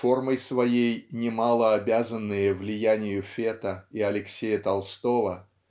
Формой своей немало обязанные влиянию Фета и Алексея Толстого